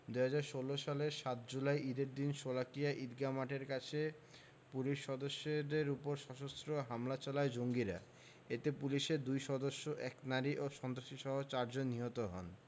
২০১৬ সালের ৭ জুলাই ঈদের দিন শোলাকিয়া ঈদগাহ মাঠের কাছে পুলিশ সদস্যদের ওপর সশস্ত্র হামলা চালায় জঙ্গিরা এতে পুলিশের দুই সদস্য এক নারী সন্ত্রাসীসহ চারজন নিহত হন